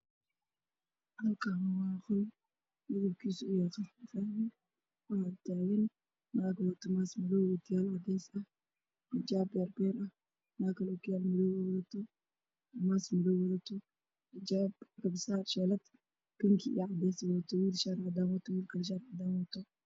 Meeshaan waxaa ka muuqdo niman iyo noogu eego badan oo iskugu yimaado meel hol ah waxaa i muuqato naag wadato jab-gaduud ah iyo maskaro madow ah